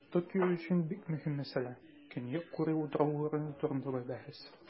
Токио өчен бик мөһим мәсьәлә - Көньяк Курил утраулары турындагы бәхәс.